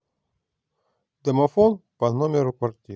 домофон по номеру квартиры